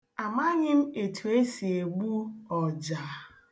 Amaghị m etu e si egbu ọja.